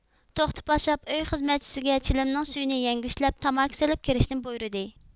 توختى پاششاپ ئۆي خىزمەتچىسىگە چىلىمنىڭ سۈيىنى يەڭگۈشلەپ تاماكا سېلىپ كىرىشىنى بۇيرىدى